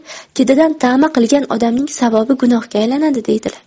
ketidan tama qilgan odamning savobi gunohga aylanadi deydilar